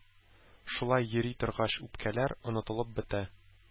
Шулай йөри торгач үпкәләр онытылып бетә.